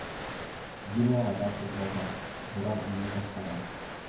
Җил яңадан кузгалган, буран уйный башлаган